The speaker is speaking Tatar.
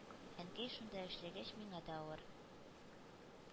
Әнкәй шунда эшләгәч, миңа да авыр.